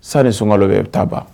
Sanni sunkalo bɛ taa ban